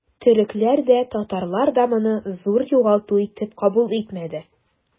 Төрекләр дә, татарлар да моны зур югалту итеп кабул итмәде.